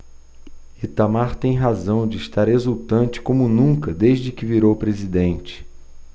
itamar tem razão de estar exultante como nunca desde que virou presidente